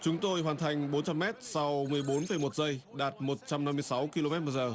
chúng tôi hoàn thành bốn trăm mét sau mười bốn phẩy một giây đạt một trăm năm mươi sáu ki lô mét một giờ